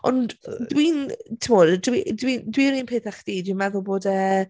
Ond yy dwi'n timod dwi dwi dwi yr un peth â chdi dwi'n meddwl bod e...